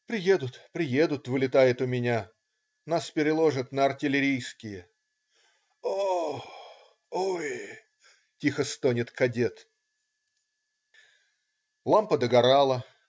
"Приедут, приедут,- вылетает у меня,- нас переложат на артиллерийские. "- "Ооох. ооой. "-тихо стонет кадет. Лампа догорала.